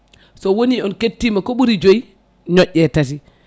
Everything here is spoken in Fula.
so woni on kettima ko ɓuuri joyyi ñoƴƴe tati